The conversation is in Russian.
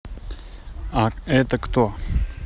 а это кто